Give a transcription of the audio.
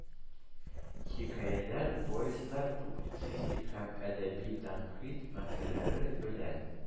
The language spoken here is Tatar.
Хикәяләр, повестьлар, публицистик һәм әдәби тәнкыйть мәкаләләре белән